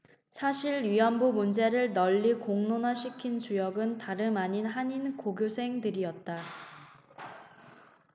사실 위안부 문제를 널리 공론화시킨 주역은 다름아닌 한인고교생들이었다